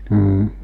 mm